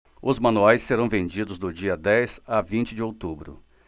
os manuais serão vendidos do dia dez a vinte de outubro